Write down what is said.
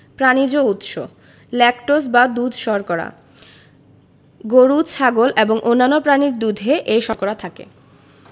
প্রানিজ উৎস ল্যাকটোজ বা দুধ শর্করা গরু ছাগল এবং অন্যান্য প্রাণীর দুধে এই শর্করা থাকে